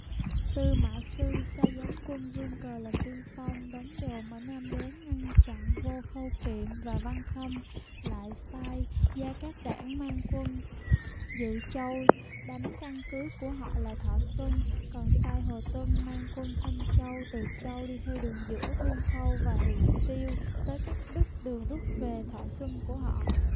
tư mã sư sai giám quân vương cơ làm tiên phong đóng đồn ở nam đốn ngăn chặn vô khâu kiệm và văn khâm lại sai gia cát đản mang quân dự châu đánh căn cứ của họ là thọ xuân còn sai hồ tuân mang quân thanh châu từ châu đi theo đường giữa thương khâu và huyện tiêu tới cắt đứt đường rút về thọ xuân của họ